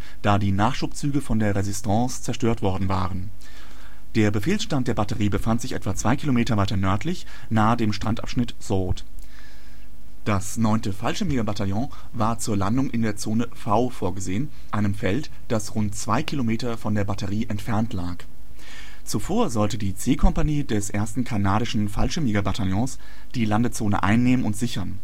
da Nachschubzüge von der Résistance zerstört worden waren. Der Befehlsstand der Batterie befand sich etwa zwei Kilometer weiter nördlich, nahe dem Strandabschnitt Sword. Bombardierung der Merville-Batterie, ca. Mai 1944. Die Bomben konnten sie aber nicht zerstören, daher wurde der Plan zur Erstürmung ersonnen. Eine Albemarle zieht einen Horsa-Gleiter Das 9. Fallschirmjägerbataillon war zur Landung in der Zone V vorgesehen, einem Feld, dass rund zwei Kilometer von der Batterie entfernt lag. Zuvor sollte die C-Kompanie des 1. Kanadischen Fallschirmjägerbataillons die Landezone einnehmen und sichern